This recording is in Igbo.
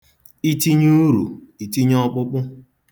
I tinye uru, itinye ọkpụkpụ.